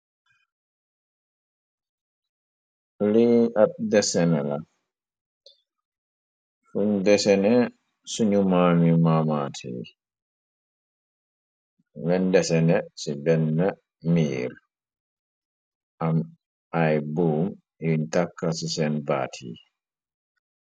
lii ab desene la fuñ desene sunu maami maamaate yi men desene ci benn mbiir am ay buum yuñ tàkka ci seen baat yi